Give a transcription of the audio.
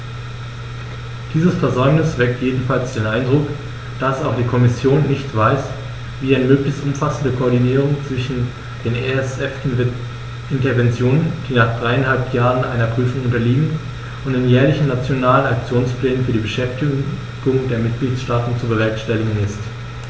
Dieses Versäumnis weckt jedenfalls den Eindruck, dass auch die Kommission nicht weiß, wie eine möglichst umfassende Koordinierung zwischen den ESF-Interventionen, die nach dreieinhalb Jahren einer Prüfung unterliegen, und den jährlichen Nationalen Aktionsplänen für die Beschäftigung der Mitgliedstaaten zu bewerkstelligen ist.